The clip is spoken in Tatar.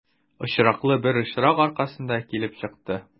Очраклы бер очрак аркасында килеп чыкты.